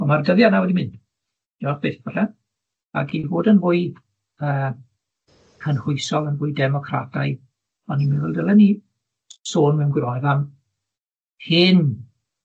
on' ma'r dyddia 'na wedi mynd, diolch byth falle, ac i fod yn fwy yy cynhwysol, yn fwy democrataidd, o'n i'n meddwl dylen ni sôn mewn gwirionedd am hen